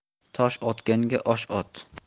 tosh otganga osh ot